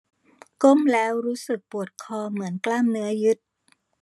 ก้มแล้วรู้สึกปวดคอเหมือนกล้ามเนื้อยึด